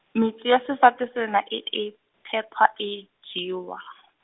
metso ya sefate sena e e, phehwa, e jewe.